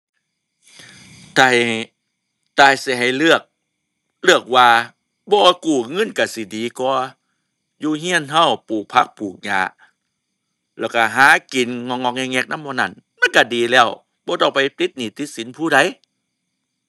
ถ้าให้ ถ้าสิให้เลือก เลือกว่าบ่กู้เงินก็สิดีกว่า อยู่ก็ก็ปลูกผักปลูกหญ้า แล้วก็หากินง็อกง็อกแง็กแง็กนำหมู่นั้น มันก็ดีแล้วบ่ต้องไปติดหนี้ติดสินผู้ใด